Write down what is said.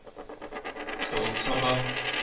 Савыт-саба